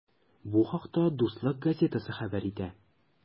Бу хакта “Дуслык” газетасы хәбәр итә.